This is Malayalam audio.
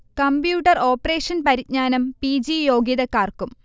കംപ്യൂട്ടർ ഓപ്പറേഷൻ പരിജ്ഞാനം പി. ജി യോഗ്യതക്കാർക്കും